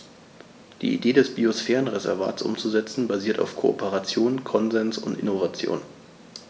Die Idee des Biosphärenreservates umzusetzen, basiert auf Kooperation, Konsens und Innovation.